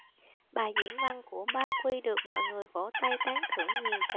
bài diễn văn của ba quy được mọi người vỗ tay tán thưởng nhiều chập